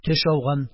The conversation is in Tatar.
Төш ауган.